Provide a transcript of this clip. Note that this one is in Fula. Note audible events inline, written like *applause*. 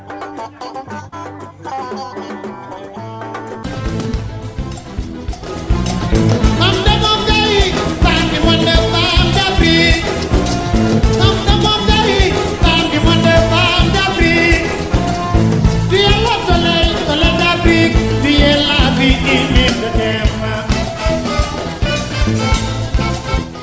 *music*